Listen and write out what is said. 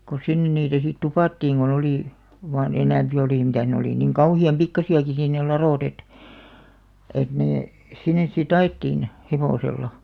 kun sinne niitä sitten tupattiin kun oli vain enempi oli mitä ne oli niin kauhean pikkuisiakin sitten ne ladot että että ne sinne sitten ajettiin hevosella